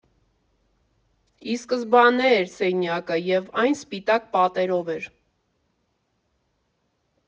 Ի սկզբանե էր սենյակը, և այն սպիտակ պատերով էր։